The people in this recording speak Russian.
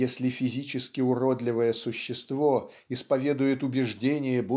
если физически уродливое существо исповедует убеждение